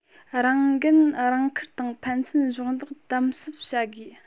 རང འགན རང འཁུར དང ཕན ཚུན གཞོགས འདེགས དམ ཟབ བྱ དགོས